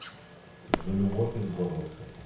за любовь из горлышка